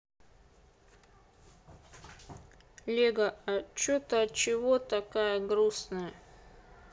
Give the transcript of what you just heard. lego а че то от чего такая грустная